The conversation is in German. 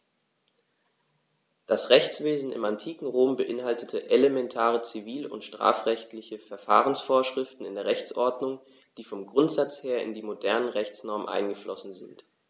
Das Rechtswesen im antiken Rom beinhaltete elementare zivil- und strafrechtliche Verfahrensvorschriften in der Rechtsordnung, die vom Grundsatz her in die modernen Rechtsnormen eingeflossen sind.